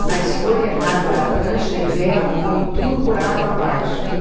a escolha errada de prancha e vela põe tudo por água abaixo